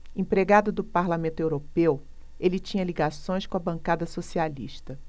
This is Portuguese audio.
empregado do parlamento europeu ele tinha ligações com a bancada socialista